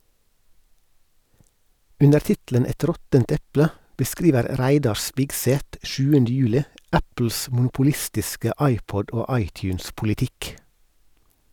Under tittelen "Et råttent eple" beskriver Reidar Spigseth 7. juli Apples monopolistiske iPod- og iTunes-politikk.